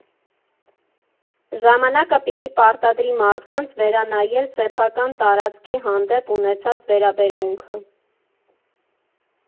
Ժամանակը պիտի պարտադրի մարդկանց վերանայել սեփական տարածքի հանդեպ ունեցած վերաբերմունքը։